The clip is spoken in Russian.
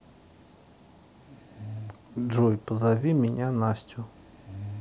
джой позови меня настю